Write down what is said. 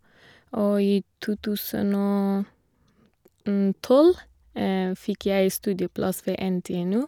Og i to tusen og tolv fikk jeg studieplass ved NTNU.